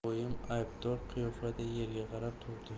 oyim aybdor qiyofada yerga qarab turdi